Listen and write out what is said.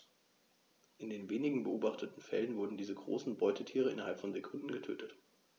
In den wenigen beobachteten Fällen wurden diese großen Beutetiere innerhalb von Sekunden getötet.